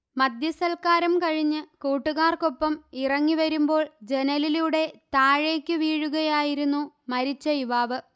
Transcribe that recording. മദ്യ സല്ക്കാരം കഴിഞ്ഞ് കൂട്ടുകാർക്കൊപ്പം ഇറങ്ങി വരുമ്പോൾ ജനലിലൂടെ താഴേക്കു വീഴുകയായിരുന്നു മരിച്ച യുവാവ്